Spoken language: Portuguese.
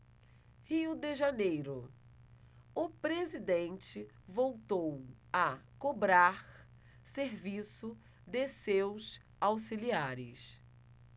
rio de janeiro o presidente voltou a cobrar serviço de seus auxiliares